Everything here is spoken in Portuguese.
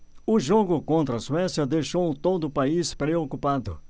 o jogo contra a suécia deixou todo o país preocupado